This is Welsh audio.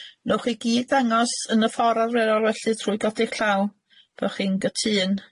Nowch chi gyd ddangos yn y ffor arferol felly trwy godi'ch llaw, bo chi'n gytûn.